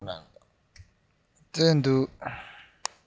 སླེབས འདུག